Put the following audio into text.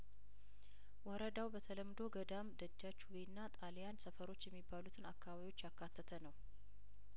ወረዳው በተለምዶ ገዳም ደጃችውቤና ጣሊያን ሰፈሮች የሚባሉትን አካባቢዎች ያካተተ ነው